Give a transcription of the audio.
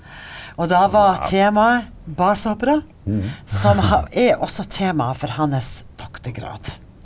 og da var temaet basehoppere som er også tema for hans doktorgrad.